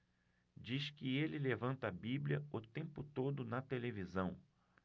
diz que ele levanta a bíblia o tempo todo na televisão